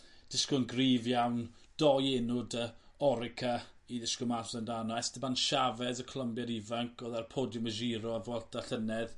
disgwl 'n gryf iawn doi enw 'da Orica i ddisgwl mas amdano Estaban Chavez y Colombiad ifanc podiwm y Giro a Vuelta llynedd